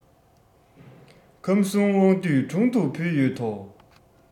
ཁམས གསུམ དབང འདུས དྲུང དུ ཕུལ ཡོད དོ